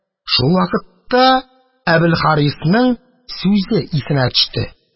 Шул вакытта Әбелхарисның сүзе исенә төште.